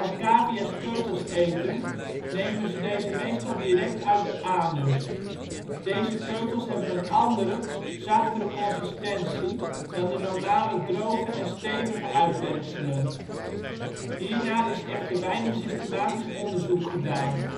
cavia 's keutels eten nemen ze deze meestal direct uit de anus. Deze keutels hebben een andere, zachtere consistentie dan de normale droge en stevige uitwerpselen. Hiernaar is echter weinig systematisch onderzoek gedaan